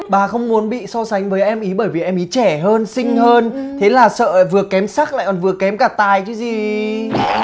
bà không muốn bị so sánh với em ý bởi vì em ấy trẻ hơn xinh hơn thế là sợ vừa kém sắc lại vừa kém cả tài chứ gì